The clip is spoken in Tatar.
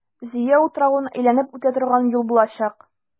Зөя утравын әйләнеп үтә торган юл булачак.